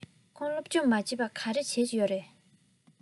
ཁོས སློབ སྦྱོང མ བྱས པར ག རེ བྱེད ཀྱི ཡོད རས